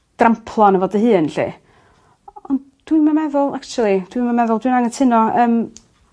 dramplo ano fo dy hun 'lly. O- ond dwi 'im yn meddwl actually dw 'im yn meddwl dwi'n anghytuno yym